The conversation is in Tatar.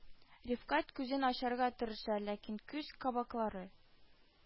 Рифкать күзен ачарга тырыша, ләкин күз кабаклары